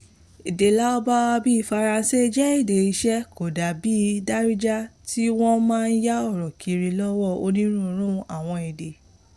Èdè Lárúbáwá, bíi èdè Faransé, jẹ́ èdè iṣẹ́ kò dà bíi Darija tí ó máa ń yá ọ̀rọ̀ kiri lọ́wọ́ onírúurú àwọn èdè.